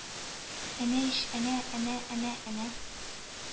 -әнә ич, әнә, әнә, әнә, әнә!